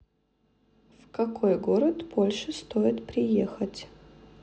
в какой город польши стоит приезжать